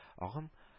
Агым